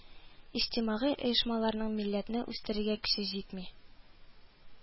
Иҗтимагый оешмаларның милләтне үстерергә көче җитми